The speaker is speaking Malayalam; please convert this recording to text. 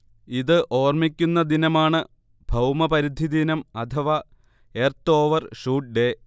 ഇത് ഓർമിക്കുന്ന ദിനമാണ് ഭൗമപരിധിദിനം അഥവാ എർത്ത് ഓവർ ഷൂട്ട്ഡേ